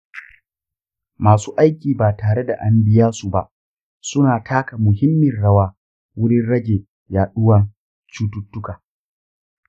masu aiki ba tare da an biya su ba suna taka muhimmin rawa wurin rage yaɗuwan cututtuka.